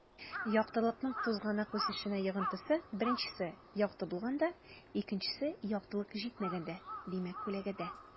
Яктылыкның тузганак үсешенә йогынтысы: 1 - якты булганда; 2 - яктылык җитмәгәндә (күләгәдә)